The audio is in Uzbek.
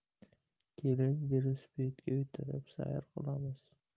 keling velosipedda o'tirib sayr qilamiz